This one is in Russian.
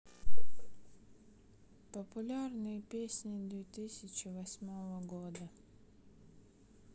популярные песни две тысячи восьмого года